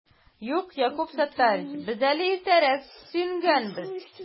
Юк, Якуб Саттарич, без әле иртәрәк сөенгәнбез